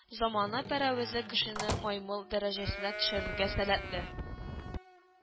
Замана пәрәвезе кешене маймыл дәрәҗәсенә төшерергә сәләтле